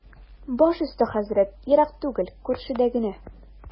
Баш өсте, хәзрәт, ерак түгел, күршедә генә.